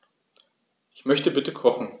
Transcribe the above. Ich möchte bitte kochen.